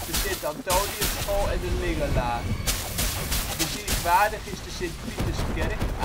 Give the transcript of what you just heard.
de St. Antoniusschool en de Lingelaar. Bezienswaardig is de Sint-Pieterskerk